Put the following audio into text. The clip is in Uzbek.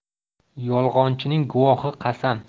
yolg'onchining guvohi qasam